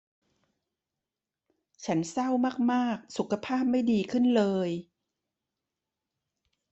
ฉันเศร้ามากมากสุขภาพไม่ดีขึ้นเลย